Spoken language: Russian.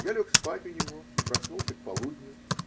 Я лег спать у него и проснулся к полудню.